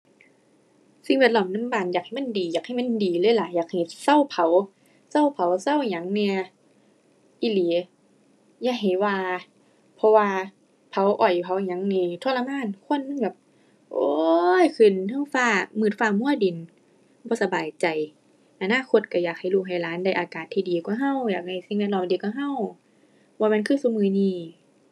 สิ่งแวดล้อมนำบ้านนี่อยากให้มันดี อยากให้มันดีเลยล่ะ อยากให้เซาเผา เซาเผา เซาหยังแหน่ อีหลี อย่าให้ว่า เพราะว่าเผาอ้อยเผาหยังนี่ทรมาน ควันมันแบบ โอ้ย ขึ้นเทิงฟ้า มืดฟ้ามัวดิน บ่สบายใจ อนาคตก็อยากให้ลูกให้หลานได้อากาศที่ดีกว่าก็ อยากได้สิ่งแวดล้อมที่ดีกว่าก็ บ่แม่นคือซุมื้อนี้